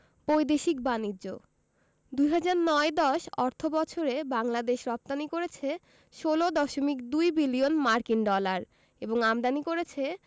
বৈদেশিক বাণিজ্যঃ ২০০৯ ১০ অর্থবছরে বাংলাদেশ রপ্তানি করেছে ১৬দশমিক ২ বিলিয়ন মার্কিন ডলার এবং আমদানি করেছে